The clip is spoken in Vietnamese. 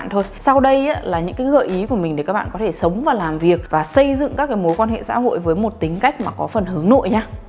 sau đây là những cái gợi ý của mình để các bạn có thể sống và làm việc và xây dựng các mối quan hệ xã hội với một tính cách mà có phần hướng nội nha